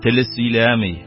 Теле сөйләми,